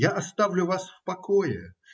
Я оставлю вас в покое